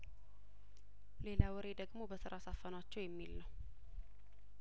ሌላ ወሬ ደግሞ በትራስ አፈኗቸው የሚል ነው